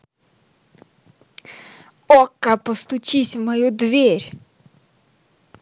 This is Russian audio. okko постучись в мою дверь